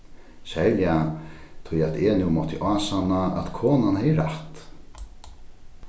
serliga tí at eg nú mátti ásanna at konan hevði rætt